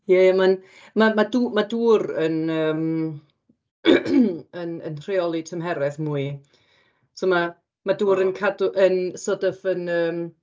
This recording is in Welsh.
Ie ie ma'n... ma' dŵr ma' dŵr yn yym yn yn rheoli tymheredd mwy, so ma' 'ma dŵr yn cadw yn sort of yn yym...